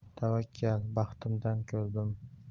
tavakkal baxtimdan ko'rdim